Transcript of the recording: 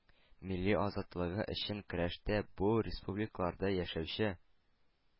Милли азатлыгы өчен көрәштә бу республикаларда яшәүче